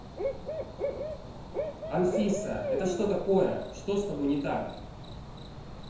anfisa это что такое что с тобой не так